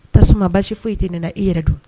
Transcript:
Tasuma basi foyi tɛ ne na i yɛrɛ don